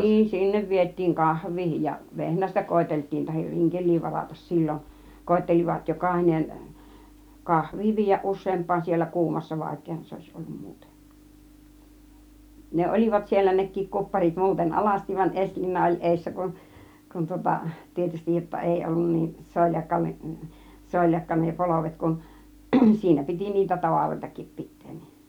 niin sinne vietiin kahvia ja vehnästä koeteltiin tai rinkeliä varata silloin koettelivat jokainen kahvia viedä useampaan siellä kuumassa vaikeahan se olisi ollut muuten ne olivat siellä nekin kupparit muuten alasti vain esiliina oli edessä kun kun tuota tietysti jotta ei ollut niin soljakka soljakka ne polvet kun siinä piti niitä tavaroitakin pitää niin